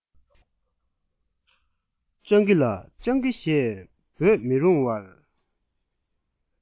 སྤྱང ཀི ལ སྤྱང ཀི ཞེས འབོད མི རུང བར